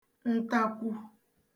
ntakwu